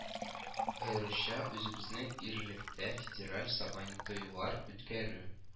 Аеруча үзебезнең ирлектә федераль сабантуйлар үткәрү